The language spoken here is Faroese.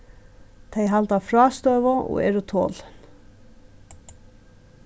tey halda frástøðu og eru tolin